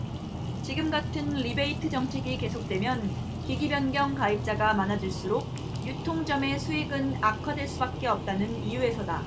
지금같은 리베이트 정책이 계속되면 기기변경 가입자가 많아질수록 유통점의 수익은 악화될 수밖에 없다는 이유에서다